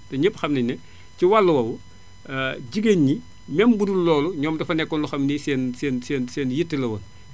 te ñépp xam nañu ne ci wàll woowu jigéen ñi même budul loolu ñoom dafa nekkoon loo xam ni seen seen seen seen yitte la woon